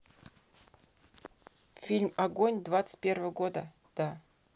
фильм огонь двадцать первого года да